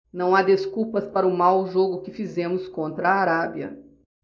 não há desculpas para o mau jogo que fizemos contra a arábia